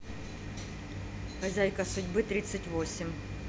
хозяйка судьбы тридцать восемь